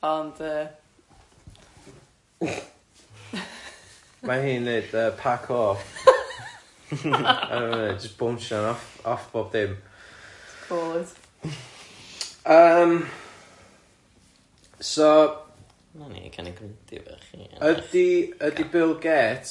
Ond yy ma' hi'n neud yy parkour ar y funud jyst bownsian off off bob dim. Yym, so... Canu grwndi rŵan... ydi Bill Gates,